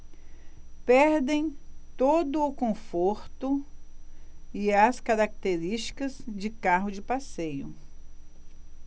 perdem todo o conforto e as características de carro de passeio